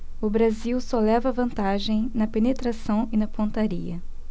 o brasil só leva vantagem na penetração e na pontaria